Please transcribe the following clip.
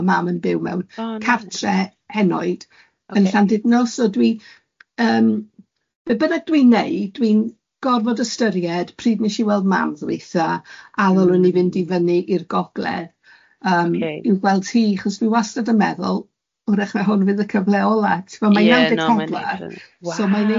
Ma' mam... Oh neis. ...yn byw mewn cartref henoed yn Llandudno, so dwi yym be bynnag dwi'n wneud, dwi'n gorfod ystyried, pryd wnes i weld mam ddwytha, a ddylwn i fynd i fyny i'r gogledd yym... Ok. ...i'w gweld hi, achos dwi wastad yn meddwl, wrach mae hwn fydd y cyfle ola, tibod, mae'n naw deg hogledd.